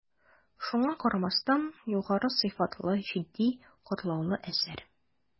Шуңа карамастан, югары сыйфатлы, житди, катлаулы әсәр.